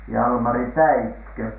Jalmari Täikkö